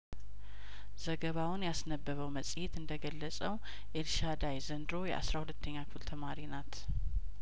ዘገባውን ያስነበበው መጽሄት እንደገለጸው ኤልሻዳይ ዘንድሮ የአስራ ሁለተኛ ክፍል ተማሪ ናት